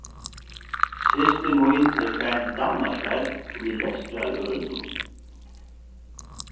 systir mín er farin til danmarkar í lestrarørindum